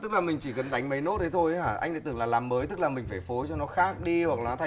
tức là mình chỉ cần đánh mấy nốt ấy thôi í hả anh lại tưởng là làm mới tức là mình phải phối cho nó khác đi hoặc là thay